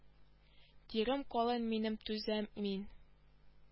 Тирем калын минем түзәм мин